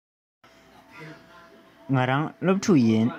ང སློབ ཕྲུག ཡིན